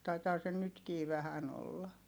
taitaa se nytkin vähän olla